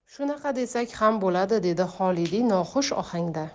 shunaqa desak ham bo'ladi dedi xolidiy noxush ohangda